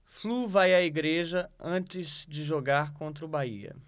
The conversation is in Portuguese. flu vai à igreja antes de jogar contra o bahia